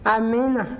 amiina